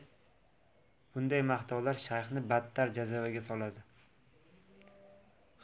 bunday maqtovlar shayxni battar jazavaga soladi